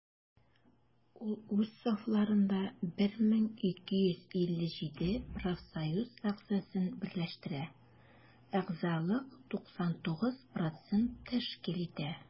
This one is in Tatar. Ул үз сафларында 1257 профсоюз әгъзасын берләштерә, әгъзалык 99 % тәшкил итә.